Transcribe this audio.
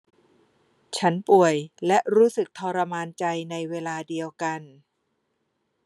ฉันป่วยและรู้สึกทรมานใจในเวลาเดียวกัน